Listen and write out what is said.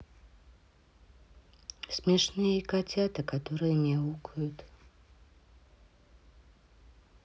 смешные котята которые мяукают